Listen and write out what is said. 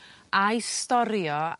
a'u storio